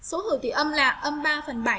số hữu tỉ âm nhạc âm ba phần